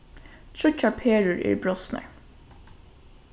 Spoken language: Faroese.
tríggjar perur eru brostnar